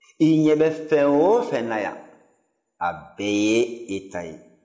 i ɲɛ bɛ fɛn o fɛn na yan a bɛɛ y'e ta ye